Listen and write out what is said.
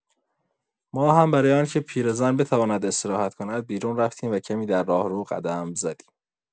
ما هم برای آنکه پیرزن بتواند استراحت کند بیرون رفتیم و کمی در راهرو قدم زدیم.